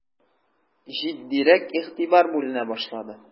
Җитдирәк игътибар бүленә башлады.